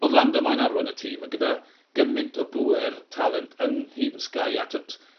o'dd Landa moyn arwen y tîm a gyda gyment o bŵer talent yn nhîm Sky a t'wod